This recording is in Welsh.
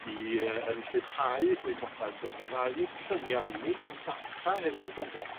I yy yn rhyddhau y gwybodaeth yn ryddau nid llynia'n unig ond data hefyd ynde.